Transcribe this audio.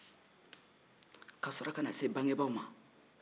ka sɔrɔ kana se bagenbaw ma